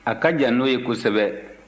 a ka jan n'o ye kosɛbɛ